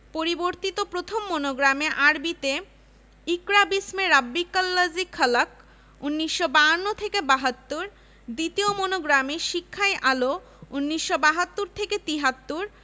১৯৫৮ সালে জেনারেল আইয়ুব খান কর্তৃক ক্ষমতা দখলের আগেই পূর্ব পাকিস্তানে শোষণ বঞ্চনার বিরুদ্ধে আন্দোলন পরিচালনা ও স্বাধিকার প্রতিষ্ঠার সংগ্রামে বিশ্ববিদ্যালয়ের ছাত্ররা